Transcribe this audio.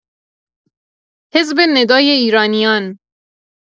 حزب ندای ایرانیان